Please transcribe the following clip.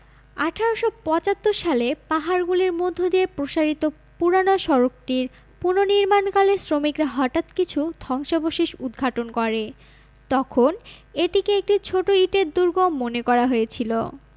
১৮৭৫ সালে পাহাড়গুলির মধ্য দিয়ে প্রসারিত পুরানো সড়কটির পুনঃনির্মাণ কালে শ্রমিকরা হঠাৎ কিছু ধ্বংসাবশেষ উদ্ঘাটন করে তখন এটিকে একটি ছোট ইটের দুর্গ মনে করা হয়েছিল